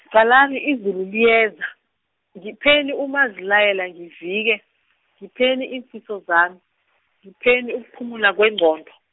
qalani izulu liyeza, ngipheni umazilayela ngivike, ngipheni iimfiso zami, ngipheni ukuphumula kwenqondo.